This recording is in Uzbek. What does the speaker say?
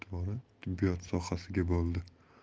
e'tibori tibbiyot sohasiga bo'ldi